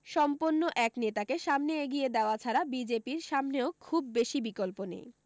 সম্পন্ন এক নেতাকে সামনে এগিয়ে দেওয়া ছাড়া বিজেপির সামনেও খুব বেশী বিকল্প নেই